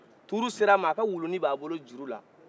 turu sera a ma a ka wuluni b'a bolo juuru la